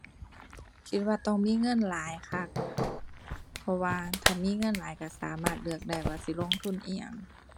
คิดว่าต้องมีเงินหลายคัก เพราะว่าถ้ามีเงินหลายก็สามารถเลือกได้ว่าสิลงทุนอิหยัง